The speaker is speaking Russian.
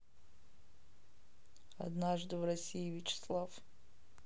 однажды в россии вячеслав